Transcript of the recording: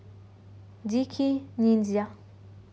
дикий ниндзя